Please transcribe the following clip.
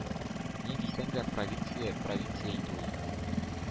Ни дисәң дә, ”провинция“ провинция инде ул.